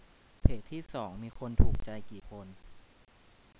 เพจที่สองมีคนถูกใจกี่คน